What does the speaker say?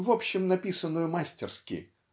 в общем написанную мастерски